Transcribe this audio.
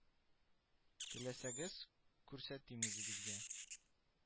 Теләсәгез, күрсәтим үзегезгә